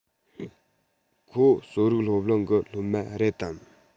ཁོ གསོ རིག སློབ གླིང གི སློབ མ རེད དམ